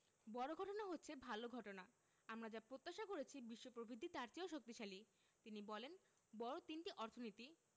বড় ঘটনা হচ্ছে ভালো ঘটনা আমরা যা প্রত্যাশা করেছি বিশ্ব প্রবৃদ্ধি তার চেয়েও শক্তিশালী তিনি বলেন বড় তিনটি অর্থনীতি